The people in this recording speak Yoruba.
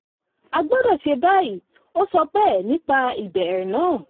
“A gbọ́dọ̀ ṣe báyìí," ó sọ bẹ́ẹ̀ nípa ìbẹ̀rẹ̀ náà.